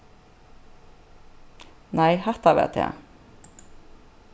nei hatta var tað